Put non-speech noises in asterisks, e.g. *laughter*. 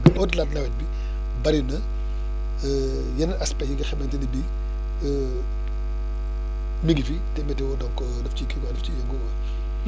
*noise* mais au delà de nawet bi *breath* bëri na *hesitation* yeneen aspect yi nga xamante ne bii *hesitation* mi ngi fi te météo donc daf ci kii quoi daf ciy yëngu quoi